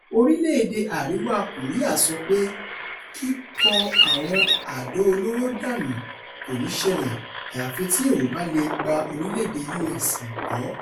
orílẹ̀-èdè Àrìwá Kòríà sọ pé kíkó àwọn àdó olóro dánù kòní ṣẹlẹ́ àyàfi tí òun bá leè gba orílẹ̀-èdè US gbọ́